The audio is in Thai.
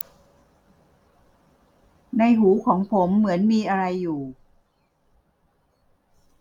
ในหูของผมเหมือนมีอะไรอยู่